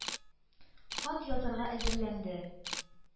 Хат язарга әзерләнде.